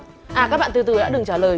à các bạn từ từ đã đừng trả lời